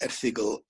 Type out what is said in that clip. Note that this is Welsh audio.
erthygl